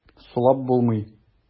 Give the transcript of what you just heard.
Сулап булмый.